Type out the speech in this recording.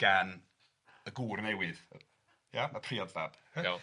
Gan y gŵr newydd, ia, y priod fab, iawn.